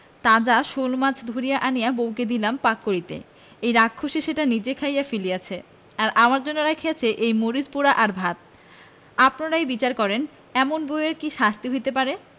তাজা শােলমাছ ধরিয়া আনিয়া বউকে দিলাম পাক করিতে এই রাক্ষসী সেটা নিজেই খাইয়া ফেলিয়াছে আর আমার জন্য রাখিয়াছে এই মরিচ পোড়া আর ভাত আপনারাই বিচার করেন এমন বউ এর কি শাস্তি হইতে পারে